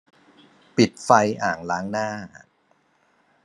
ปิดไฟอ่างล้างหน้า